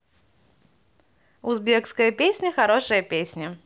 узбекская песня хорошая песня